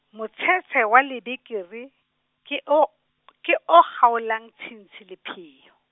motshetshe wa lebekere, ke o , ke o kgaolang tshintshi lepheyo.